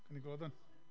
Gawn ni glywad ŵan.